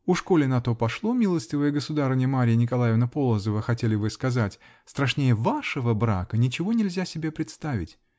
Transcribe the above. "Уж коли на то пошло, милостивая государыня, Марья Николаевна Полозова, -- хотели вы сказать, -- страннее вашего брака ничего нельзя себе представить.